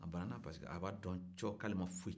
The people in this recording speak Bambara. a banana parce que a b'a don k'ale ma foyi kɛ